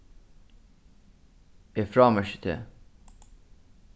eg frámerki teg